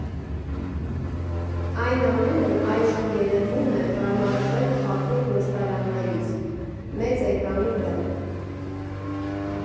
Այս ամենն այժմ երևում է հարմարավետ փափուկ նստարաններից՝ մեծ էկրանի վրա։